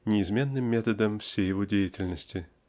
неизменным методам всей его деятельности.